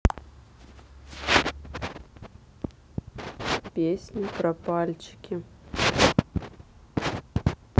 песня про пальчики